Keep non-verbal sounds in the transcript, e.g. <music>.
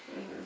<hesitation> <hesitation>